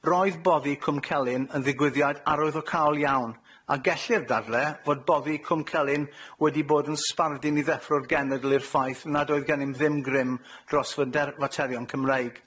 Roedd boddi Cwm Celyn yn ddigwyddiad arwyddocaol iawn, a gellir dadle fod boddi Cwm Celyn wedi bod yn sbardun i ddeffro'r genedl i'r ffaith nad oedd gennym ddim grym dros fyder- faterion Cymreig.